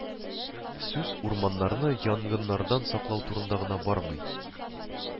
Сүз урманнарны янгыннардан саклау турында гына бармый